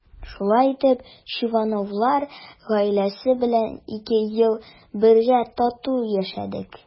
Шулай итеп Чувановлар гаиләсе белән ике ел бергә тату яшәдек.